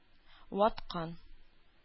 Ваткан